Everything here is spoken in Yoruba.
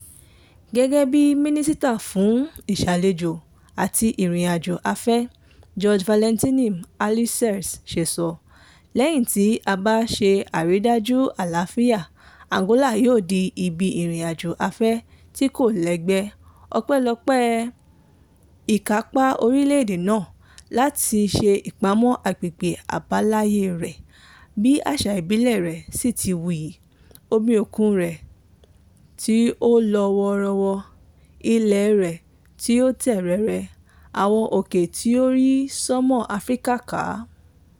Gẹ́gẹ́ bí Mínísítà fún Ìṣàlejò àti Ìrìn-àjò Afẹ́, Jorge Valentim Alicerces ṣe sọ, "lẹ́yìn tí a bá ṣe àrídájú àlàáfíà, Angola yóò di ibi ìrìn-àjò afẹ́ tí kò lẹ́gbẹ́ ọpẹ́lọpẹ́ ìkápá orílẹ̀-èdè náà láti ṣe ìpamọ́ agbègbè àbáláyé rẹ̀, bí àṣà ìbílẹ̀ rẹ̀ ṣe ti wuyì, omi òkun rẹ̀ tí ó lọ́ wọ́ọ́rọ́, ilẹ̀ rẹ̀ tí ó tẹ́ rẹrẹ, àwọn òkè tí wọ́n yí sánmọ̀ Áfíríkà ká.